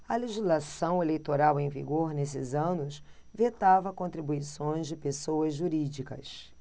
a legislação eleitoral em vigor nesses anos vetava contribuições de pessoas jurídicas